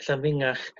ella'n fengach